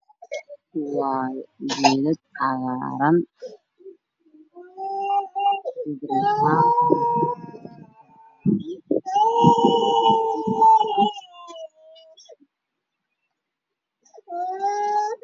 Waa geed midabkiisu yahay cagaar waxaa ka dambeeyo darbi midabkiisu yahay qaxwi waana guri